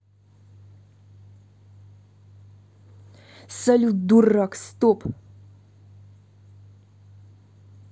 салют дурак стоп